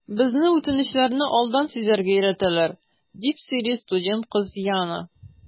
Безне үтенечләрне алдан сизәргә өйрәтәләр, - дип сөйли студент кыз Яна.